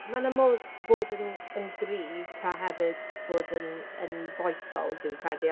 Ma' 'na modd fod yn yn gryf tra hefyd fod yn yn foesol, dwi'n credu.